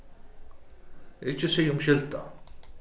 ikki siga umskylda